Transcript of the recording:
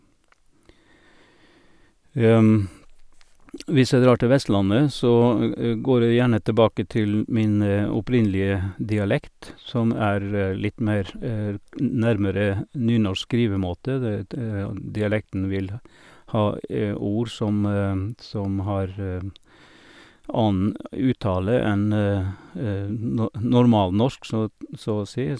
Hvis jeg drar til Vestlandet, så går jeg gjerne tilbake til min opprinnelige dialekt, som er litt mer nærmere nynorsk skrivemåte, det det og dialekten vil ha ord som som har annen uttale enn no normalnorsk, såtn så å si.